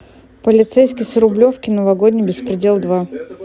полицейский с рублевки новогодний беспредел два